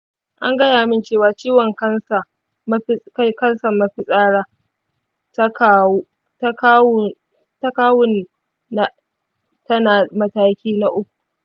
an gaya min cewa ciwon kansa mafitsara ta kawun na tana mataki na uku.